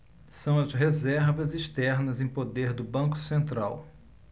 são as reservas externas em poder do banco central